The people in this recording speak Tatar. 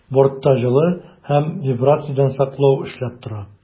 Бортта җылы һәм вибрациядән саклау эшләп тора.